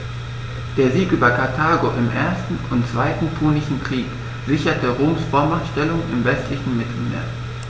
Der Sieg über Karthago im 1. und 2. Punischen Krieg sicherte Roms Vormachtstellung im westlichen Mittelmeer.